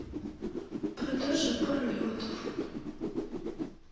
продажа паралетов